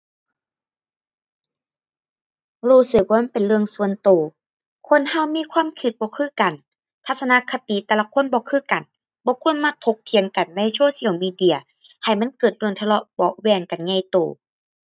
รู้สึกว่ามันเป็นเรื่องส่วนตัว คนตัวมีความตัวบ่คือกัน ทัศนคติแต่ละคนบ่คือกัน บ่ควรมาถกเถียงกันใน social media ให้มันเกิดเรื่องทะเลาะเบาะแว้งกันใหญ่โต